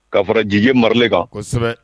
Ka fara DJ Marley kan, kosɛbɛ